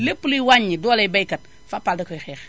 lépp luy wàññi dooley baykat Fapal dakoy xeex